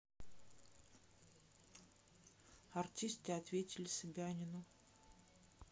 артисты ответили собянину